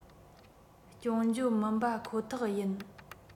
སྐྱོན བརྗོད མིན པ ཁོ ཐག ཡིན